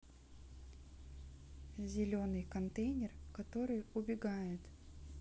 зеленый контейнер который убегает